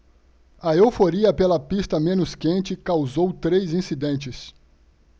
a euforia pela pista menos quente causou três incidentes